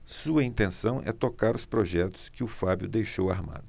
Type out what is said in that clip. sua intenção central é tocar os projetos que o fábio deixou armados